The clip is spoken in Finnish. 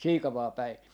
Siikavaan päin